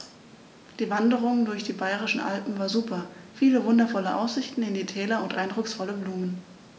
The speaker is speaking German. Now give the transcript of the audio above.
Die Wanderungen durch die Bayerischen Alpen waren super. Viele wundervolle Aussichten in die Täler und eindrucksvolle Blumen.